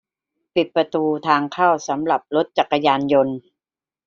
ปิดประตูทางเข้าสำหรับรถจักรยานยนต์